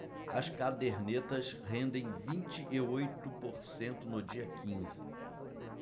as cadernetas rendem vinte e oito por cento no dia quinze